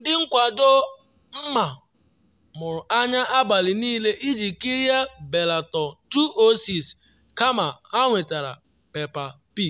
Ndị nkwado MMA mụrụ anya abalị niile iji kiri Bellator 206, kama ha nwetara Peppa Pig